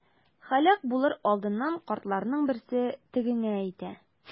Һәлак булыр алдыннан картларның берсе тегеңә әйтә.